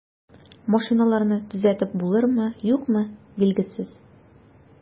Машиналарны төзәтеп булырмы, юкмы, билгесез.